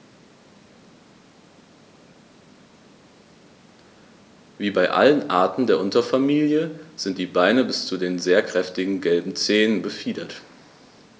Wie bei allen Arten der Unterfamilie sind die Beine bis zu den sehr kräftigen gelben Zehen befiedert.